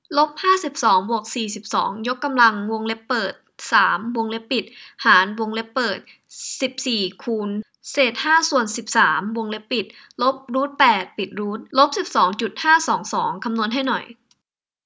ลบห้าสิบสองบวกสี่สิบสองยกกำลังวงเล็บเปิดสามวงเล็บปิดหารวงเล็บเปิดสิบสี่คูณเศษห้าส่วนสิบสามวงเล็บปิดลบรูทแปดปิดรูทลบสิบสองจุดห้าสองสองคำนวณให้หน่อย